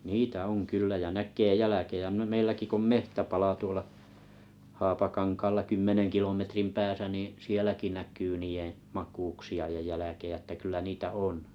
niitä on kyllä ja näkee jälkiä - meilläkin kun on metsäpala tuolla Haapakankaalla kymmenen kilometrin päässä niin sielläkin näkyy niiden makuuksia ja jälkiä että kyllä niitä on